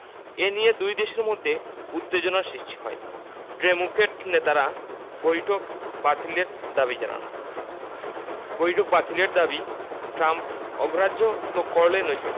এ নিয়ে দুই দেশের মধ্যে উত্তেজনা সৃষ্টি হয় ডেমোক্র্যাট নেতারা বৈঠক বাতিলের দাবি জানান বৈঠক বাতিলের দাবি ট্রাম্প অগ্রাহ্য তো করলেনই